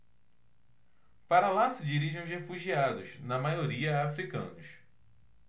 para lá se dirigem os refugiados na maioria hútus